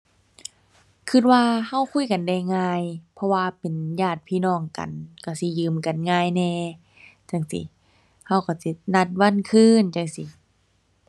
คิดว่าคิดคุยกันได้ง่าย เพราะว่าเป็นญาติพี่น้องกัน คิดสิยืมกันง่ายแหน่จั่งซี้ คิดคิดสินัดวันคืนจั่งซี้